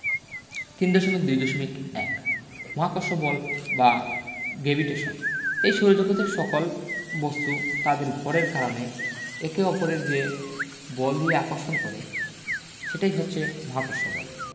৩.২.১ মহাকর্ষ বল বা গেভিটেশন এই সৌরজগতের সকল বস্তু তাদের ভরের কারণে একে অপরের যে বল দিয়ে আকর্ষণ করে সেটাই হচ্ছে মহাকর্ষ বল